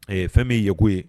A ye fɛn min yeko ye